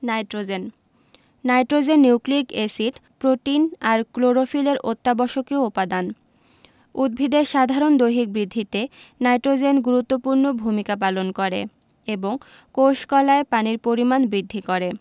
nitrogen nitrogen nucleic acid protein আর ক্লোরোফিলের অত্যাবশ্যকীয় উপাদান উদ্ভিদের সাধারণ দৈহিক বৃদ্ধিতে নাইট্রোজেন গুরুত্বপূর্ণ ভূমিকা পালন করে এবং কোষ কলায় পানির পরিমাণ বৃদ্ধি করে